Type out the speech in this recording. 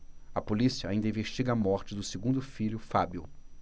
a polícia ainda investiga a morte do segundo filho fábio